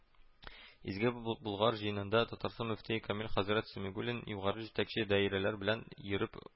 Изге Болгар җыенында, Татарстан мөфтие Камил хәзрәт Сәмигуллин югары җитәкче даирәләр белән йөреп